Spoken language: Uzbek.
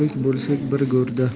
o'lik bo'lsak bir go'rda